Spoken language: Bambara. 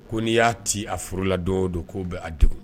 Ko n'i y'a ci a forola dɔw don k'o bɛ a dogo